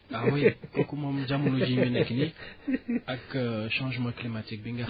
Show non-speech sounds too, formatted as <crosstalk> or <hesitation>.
<laughs> ah oui kooku moom <laughs> jamono jii ñu nekk nii ak <hesitation> changement climatique bi nga